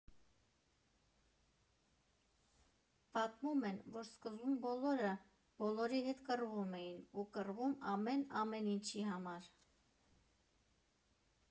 Պատմում են, որ սկզբում բոլորը բոլորի հետ կռվում էին, ու կռվում ամեն֊ամեն ինչի համար…